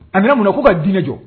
A bɛna mun k'u ka di jɔ